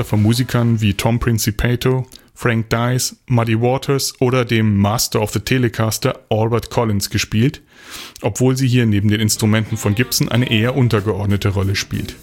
Musikern wie Tom Principato, Frank Diez, Muddy Waters oder dem „ Master of the Telecaster “, Albert Collins, gespielt, obwohl sie hier neben den Instrumenten von Gibson eine eher untergeordnete Rolle spielt